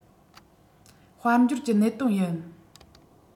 དཔལ འབྱོར གྱི གནད དོན ཡིན